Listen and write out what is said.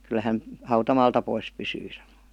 kyllä hän hautamaalta pois pysyy sanoi